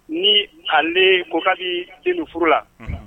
Ni ale ko ka di te ni furu la